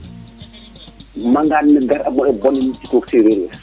mangan de dal a go nda jiko sereer ne